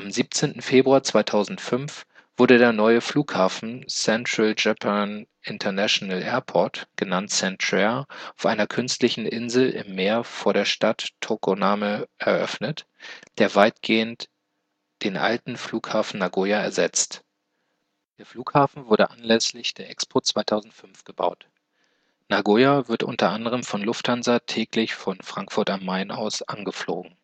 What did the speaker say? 17. Februar 2005 wurde der neue Flughafen Central Japan International Airport, genannt Centrair, auf einer künstlichen Insel im Meer vor der Stadt Tokoname eröffnet, der weitgehend den alten Flughafen Nagoya ersetzt. Der Flughafen wurde anlässlich der Expo 2005 gebaut. Nagoya wird unter anderem von Lufthansa täglich von Frankfurt am Main aus angeflogen